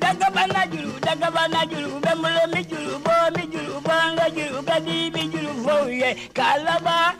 da kababa laj da laj 2mɛ juruj juru baka juru ba bɛ juruba ye laban